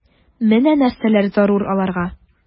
Менә нәрсәләр зарур аларга...